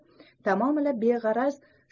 tamomila beg'araz